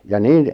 ja niin